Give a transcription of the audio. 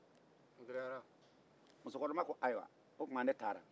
muso kɔnɔma ko ayiwa ne taara